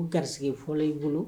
Parce que fɔlɔ i bolo